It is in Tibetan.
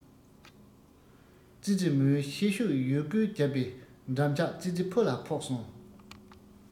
ཙི ཙི མོས ཤེད ཤུགས ཡོད རྒུས བརྒྱབ པའི འགྲམ ལྕག ཙི ཙི ཕོ ལ ཕོག སོང